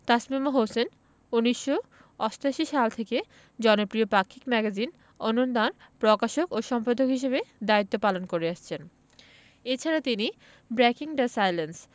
তাসমিমা হোসেন ১৯৮৮ সাল থেকে জনপ্রিয় পাক্ষিক ম্যাগাজিন অনন্যা র প্রকাশক ও সম্পাদক হিসেবে দায়িত্ব পালন করে আসছেন এ ছাড়া তিনি ব্রেকিং দ্য সাইলেন্স